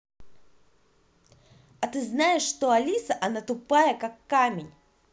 а ты знаешь что алиса она тупая как камень